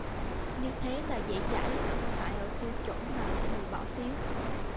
như thế là dễ dãi không phải ở tiêu chuẩn mà ở người bỏ phiếu